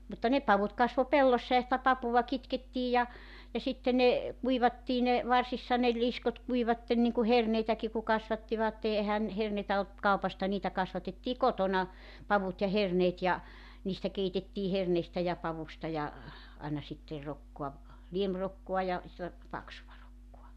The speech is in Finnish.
mutta ne pavut kasvoi pellossa ja sitä papua kitkettiin ja ja sitten ne kuivattiin ne varsissa ne liskot kuivuivat niin kuin herneitäkin kun kasvattivat eihän herneitä ollut kaupasta niitä kasvatettiin kotona pavut ja herneet ja niistä keitettiin herneistä ja pavusta ja aina sitten rokkaa liemirokkaa ja sellaista paksua rokkaa